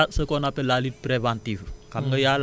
y a ce qu' on appelle la lutte préventive